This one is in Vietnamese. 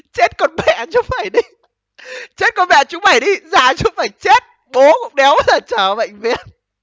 chết con mẹ chúng mày đi chết con mẹ chúng mày đi gia chũng mày chết bố cũng đéo bao giờ chở bệnh viện